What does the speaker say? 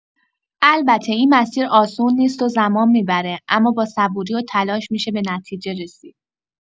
البته این مسیر آسون نیست و زمان می‌بره، اما با صبوری و تلاش می‌شه به نتیجه رسید.